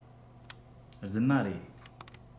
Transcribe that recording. རྫུན མ རེད